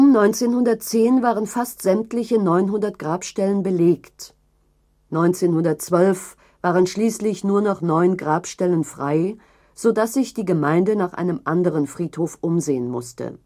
1910 waren fast sämtliche 900 Grabstellen belegt, 1912 waren schließlich nur noch neun Grabstellen frei, sodass sich die Gemeinde nach einem anderen Friedhof umsehen musste